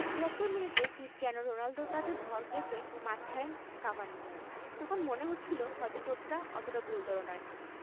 ৭৪ মিনিটে ক্রিস্টিয়ানো রোনালদোর কাঁধে ভর রেখে মাঠ ছাড়েন কাভানি তখন মনে হচ্ছিল হয়তো চোটটা অতটা গুরুতর নয়